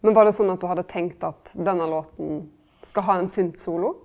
men var det sånn at du hadde tenkt at denne låten skal ha ein syntsolo?